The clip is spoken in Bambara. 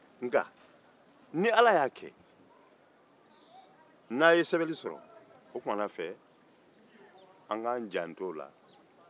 nka ni ala y'a kɛ an ye sɛbɛnni sɔrɔ an k'an janto o la